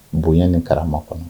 Bonya ni kara kɔnɔ